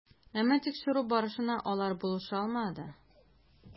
Әмма тикшерү барышына алар булыша алмады.